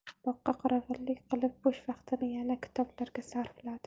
boqqa qorovullik qilib bo'sh vaqtini yana kitoblarga sarfladi